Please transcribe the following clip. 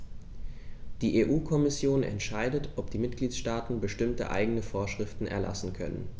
Die EU-Kommission entscheidet, ob die Mitgliedstaaten bestimmte eigene Vorschriften erlassen können.